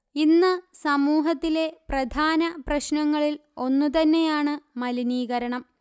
ഇന്ന് സമൂഹത്തിലെ പ്രധാന പ്രശ്നങ്ങളിൽ ഒന്നു തന്നെയാണ് മലിനീകരണം